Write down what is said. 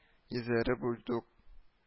Йөзләре бульдук